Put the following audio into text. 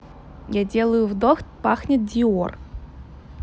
я делаю вдох пахнет dior